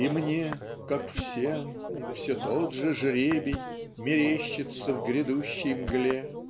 И мне, как всем, все тот же жребий Мерещится в грядущей мгле